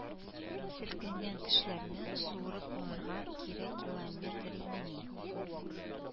Селкенгән тешләрне суырып алырга кирәкилометримени